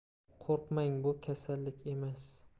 qo'rqmang bu kasallik emas